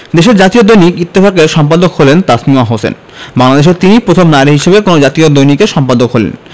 দেশের জাতীয় দৈনিক ইত্তেফাকের সম্পাদক হলেন তাসমিমা হোসেন বাংলাদেশে তিনিই প্রথম নারী হিসেবে কোনো জাতীয় দৈনিকের সম্পাদক হলেন